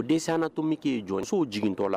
O dessin anatomique ye jɔnsow jigin tɔ la.